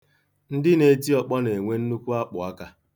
Ndị na-eti ọkpọ na-enwe nnukwu akpụaka.